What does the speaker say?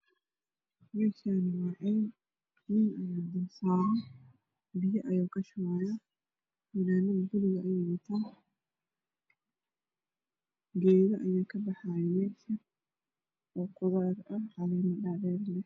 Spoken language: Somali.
Meeshaani waa nin biyo ayuu ka shubayaa geedo ayaa ka baxaayo meesha